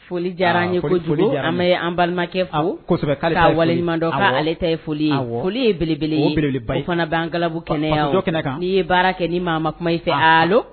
Foli diyara an ye ko joli an ye an balimakɛ walidɔ ale ta foli ye ko belebele i fana bɛ anbu kɛnɛ i ye baara kɛ ni maa ma kuma i fɛ